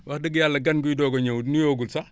wax dëgg Yàlla gan guy doog a ñëw nuyoogul sax